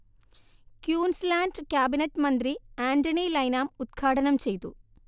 ക്യൂൻസ് land cabinet മന്ത്രി Anthony Lynham ഉത്ഘാടനം ചെയ്തു